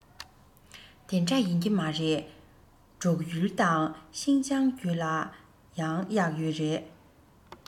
དེ འདྲ ཡིན གྱི མ རེད འབྲུག ཡུལ དང ཤིན ཅང རྒྱུད ལ ཡང གཡག ཡོད རེད